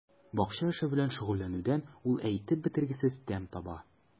Бакча эше белән шөгыльләнүдән ул әйтеп бетергесез тәм таба.